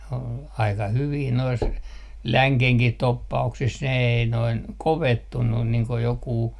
oli aika hyviä noissa längenkin toppauksissa ne ei noin kovettunut niin kuin joku